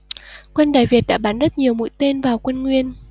quân đại việt đã bắn rất nhiều mũi tên vào quân nguyên